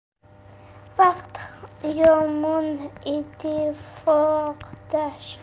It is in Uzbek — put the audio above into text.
vaqt yomon ittifoqdosh